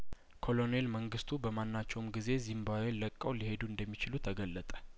ኮሎኔል መንግስቱ በማ ናቸውም ጊዜ ዚምባብዌን ለቀው ሊሄዱ እንደሚችሉ ተገለጠ